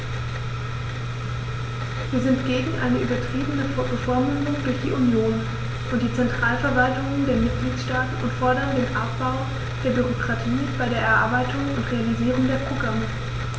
Wir sind gegen eine übertriebene Bevormundung durch die Union und die Zentralverwaltungen der Mitgliedstaaten und fordern den Abbau der Bürokratie bei der Erarbeitung und Realisierung der Programme.